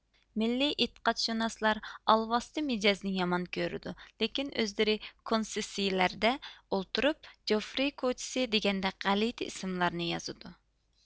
مىللىي ئىتىقادشۇناسلار ئالۋاستى مىجەزنى يامان كۆرىدۇ لېكىن ئۆزلىرى كونسېسسىيىلەردە ئولتۇرۇپ جوفرى كوچىسى دېگەندەك غەلىتە ئىسىملارنى يازىدۇ